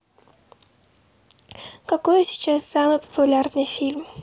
какой сейчас самый популярный фильм